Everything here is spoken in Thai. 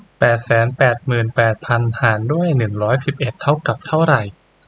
แปดแสนแปดหมื่นแปดพันหารด้วยหนึ่งร้อยสิบเอ็ดเท่ากับเท่าไร